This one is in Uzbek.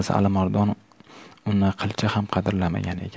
alimardon uni qilcha ham qadrlamagan ekan